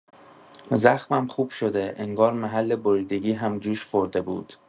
زخمم خوب شده، انگار محل بریدگی هم جوش‌خورده بود.